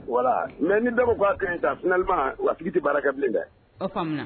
Voila mais ni bɛ ko k'a kaɲi ten finalement a tigi tɛ baara kɛ bilen dɛ. O faamu na.